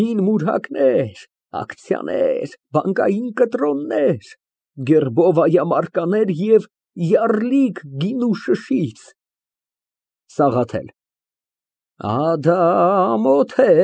Հին մուրհակներ, ակցիաներ, բանկային կտրոններ, գերբովայա մարկաներ և յառլիկ գինու շշից… ՍԱՂԱԹԵԼ ֊ Ադա, ամոթ է։